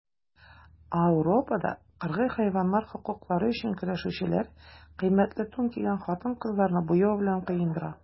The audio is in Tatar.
Ауропада кыргый хайваннар хокуклары өчен көрәшүчеләр кыйммәтле тун кигән хатын-кызларны буяу белән коендыра.